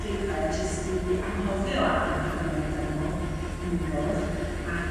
-draethau jyst i anghofio am hawlia' dynol unigol ac